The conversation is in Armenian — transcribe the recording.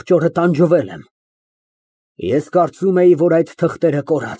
Հեռու լսվում է զանգակի հնչյուն։ Սեղանատան դռներից դուրս է գալիս Զարուհին և անցնում է օրիորդների սենյակները։